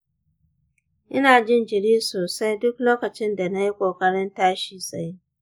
ina jin jiri sosai duk lokacin da na yi ƙoƙarin tashi tsaye.